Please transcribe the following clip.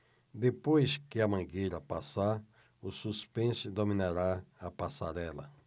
depois que a mangueira passar o suspense dominará a passarela